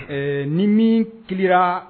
Ɛɛ ni min kira